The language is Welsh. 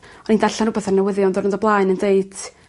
O'n i'n darllan wbath yn newyddion dyrnod o' blaen yn deud